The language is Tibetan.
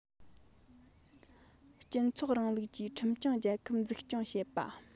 སྤྱི ཚོགས རིང ལུགས ཀྱི ཁྲིམས སྐྱོང རྒྱལ ཁབ འཛུགས སྐྱོང བྱེད པ